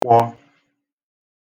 -kwọ